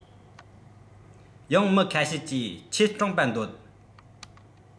ཡང མི ཁ ཤས ཀྱིས ཁྱེད སྤྲིངས པ འདོད